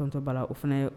Bitɔntɔ bala o fana ye